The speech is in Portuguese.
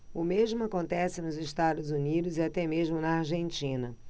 o mesmo acontece nos estados unidos e até mesmo na argentina